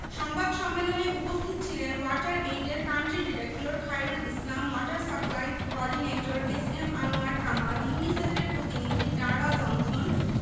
সংবাদ সম্মেলনে উপস্থিত ছিলেন ওয়াটার এইডের country director Khairul Islam water সাপ্লাইর coordinator S M Anwar Kamal ইউনিসেফের প্রতিনিধি ডারা জনথন